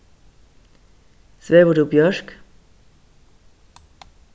svevur tú bjørk